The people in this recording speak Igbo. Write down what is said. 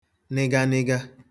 nịganịga